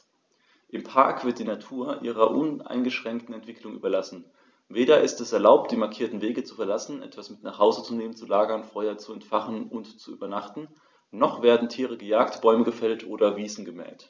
Im Park wird die Natur ihrer uneingeschränkten Entwicklung überlassen; weder ist es erlaubt, die markierten Wege zu verlassen, etwas mit nach Hause zu nehmen, zu lagern, Feuer zu entfachen und zu übernachten, noch werden Tiere gejagt, Bäume gefällt oder Wiesen gemäht.